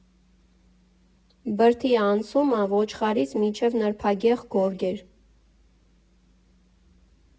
Բրդի անցումը ոչխարից մինչև նրբագեղ գորգեր։